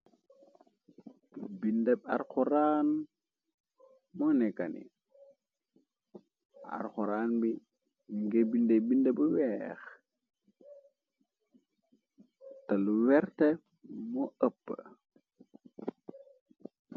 Binda arxuraan moo nekkani arxuraan bi ngi binde binde bi weex té lu werte moo appo.